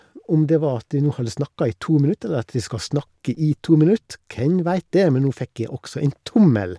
Om det var at jeg nå hadde snakka i to minutt, eller at jeg skal snakke i to minutt, hvem vet det, men nå fikk jeg også en tommel.